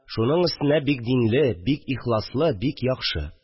Шуның өстенә бик динле, бик ихласлы, бик яхшы